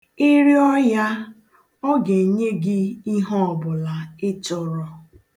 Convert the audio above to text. Ị rịọ ya, ọ ga-enye gị ihe ọbụla ị chọrọ.